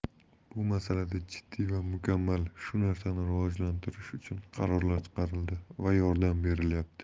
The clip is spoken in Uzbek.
bu masalada jiddiy va mukammal shu narsani rivojlantirish uchun qarorlar chiqarildi va yordam berilyapti